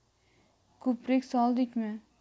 ko'prik soldikmi